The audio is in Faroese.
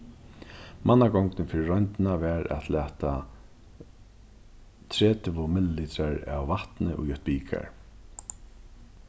mannagongdin fyri royndina var at lata tretivu millilitrar av vatni í eitt bikar